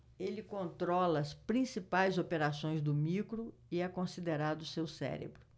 ele controla as principais operações do micro e é considerado seu cérebro